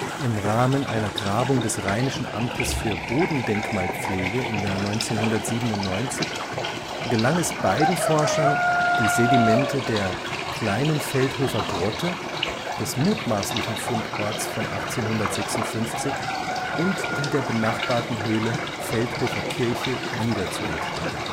Im Rahmen einer Grabung des Rheinischen Amtes für Bodendenkmalpflege 1997 gelang es beiden Forschern, die Sedimente der Kleinen Feldhofer Grotte, des mutmaßlichen Fundorts von 1856, und die der benachbarten Höhle Feldhofer Kirche wiederzuentdecken